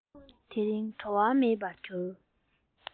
དེ རིང བྲོ བ མེད པར འགྱུར